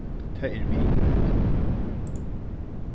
tað er við ð